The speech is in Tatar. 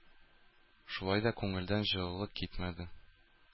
Шулай да күңелдән җылылык китмәде.